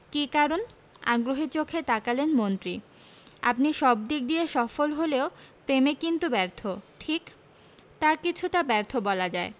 কী কারণ আগ্রহী চোখে তাকালেন মন্ত্রী আপনি সব দিক দিয়ে সফল হলেও প্রেমে কিন্তু ব্যর্থ ঠিক তা কিছুটা ব্যর্থ বলা যায়